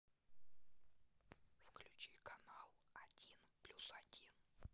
включи канал один плюс один